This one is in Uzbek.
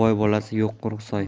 bolasi yo'q quruq soy